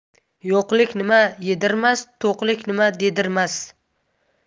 yo'qlik nima yedirmas to'qlik nima dedirmas